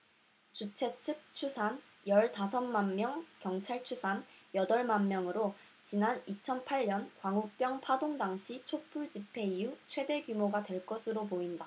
주최측 추산 열 다섯 만명 경찰 추산 여덟 만명으로 지난 이천 팔 년 광우병 파동 당시 촛불집회 이후 최대 규모가 될 것으로 보인다